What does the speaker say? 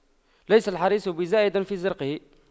ليس الحريص بزائد في رزقه